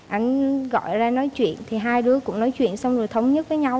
anh gọi ra nói chuyện thì hai đứa cũng nói chuyện xong rồi thống nhất với nhau